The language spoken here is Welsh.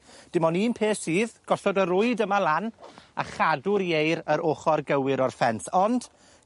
dim on' un pe' sydd gosod y rwyd yma lan a chadw'r ieir yr ochor gywir o'r ffens ond